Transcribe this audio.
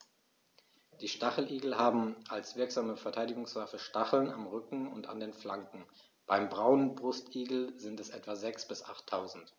Die Stacheligel haben als wirksame Verteidigungswaffe Stacheln am Rücken und an den Flanken (beim Braunbrustigel sind es etwa sechs- bis achttausend).